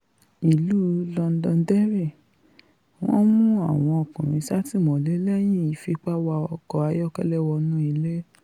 Ìlú Lọndọnderi: Wọ́n mú àwọn ọkùnrin sátìmọ́lé lẹ́yìn ìfipáwa-ọkọ́ ayọ́kẹ́lẹ́ wọnú ilé